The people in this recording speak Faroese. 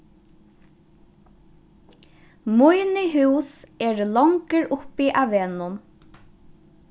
míni hús eru longur uppi á vegnum